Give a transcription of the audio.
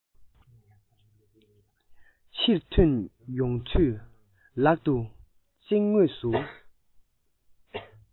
ཕྱིར ཐོན ཡོང དུས ལག ཏུ རྩིགས ངོས སུ